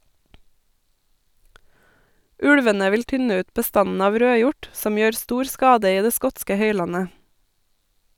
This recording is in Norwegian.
Ulvene vil tynne ut bestanden av rødhjort, som gjør stor skade i det skotske høylandet.